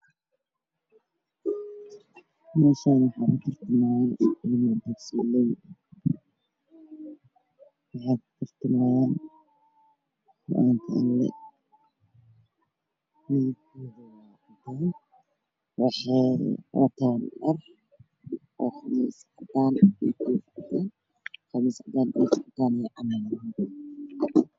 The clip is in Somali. Meshaan waxaa iga muuqda labo wiil oo wata qiimisyo midna makarafoon wato oo cimaamada hal cimaamadna waa guduud gadalna waxaa ka fadhiyay sheekh wata khamiis cad